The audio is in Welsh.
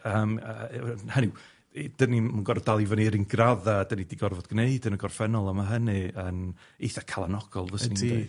Yym, yy, yy hynny yw, yy 'dyn ni'm yn gor'o' dal i fyny i'r un gradde a 'dyn ni di gorfod gwneud yn y gorffennol, a ma' hynny yn eitha calanogol, fyswn i'n dweud. Ydi.